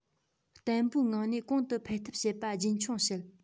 བརྟན པོའི ངང ནས གོང དུ འཕེལ ཐབས བྱེད པ རྒྱུན འཁྱོངས བྱེད